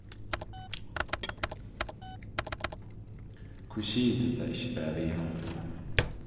hví sigur tú tað ikki bara við hann